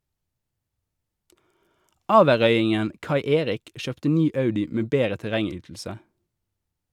Averøyingen Kai Erik kjøpte ny Audi med bedre terrengytelse.